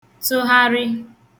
-tụgharị